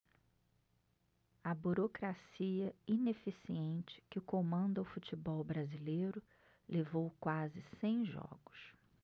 a burocracia ineficiente que comanda o futebol brasileiro levou quase cem jogos